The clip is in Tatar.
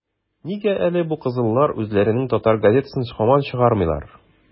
- нигә әле бу кызыллар үзләренең татар газетасын һаман чыгармыйлар?